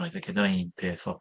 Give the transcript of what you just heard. Reit, ocê dyna un peth o...